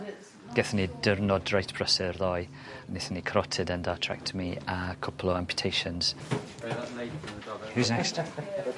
Gethon ni diwrnod reit brysur ddoe. Nethon ni carotid endarterectomy a cwpwl o amputations. Who's next?